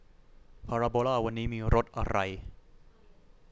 พาราโบลาวันนี้มีรสอะไร